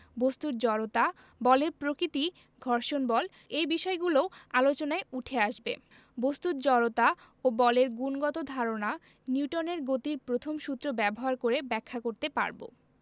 বস্তুর জড়তা বলের প্রকৃতি ঘর্ষণ বল এই বিষয়গুলোও আলোচনায় উঠে আসবে বস্তুর জড়তা ও বলের গুণগত ধারণা নিউটনের গতির প্রথম সূত্র ব্যবহার করে ব্যাখ্যা করতে পারব